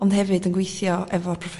ond hefyd yn gwithio efo'r